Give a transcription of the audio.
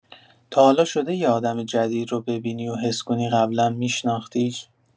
تا حالا شده یه آدم جدید رو ببینی و حس کنی قبلا میشناختیش؟